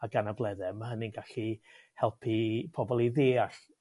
ag anybledde, ma' hynny'n gallu helpu pobol i ddeall